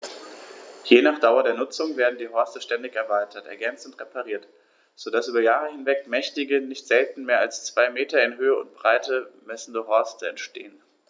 Je nach Dauer der Nutzung werden die Horste ständig erweitert, ergänzt und repariert, so dass über Jahre hinweg mächtige, nicht selten mehr als zwei Meter in Höhe und Breite messende Horste entstehen.